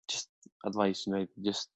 jyst advice i ddeud jyst